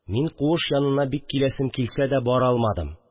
Мин куыш янына бик киләсем килсә дә – бара алмадым